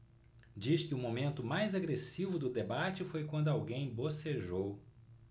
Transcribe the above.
diz que o momento mais agressivo do debate foi quando alguém bocejou